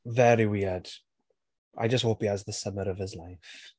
Very weird. I just hope he has the summer of his life.